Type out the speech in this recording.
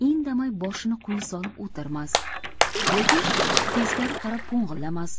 indamay boshini quyi solib o'tirmas yoki teskari qarab po'ng'illamas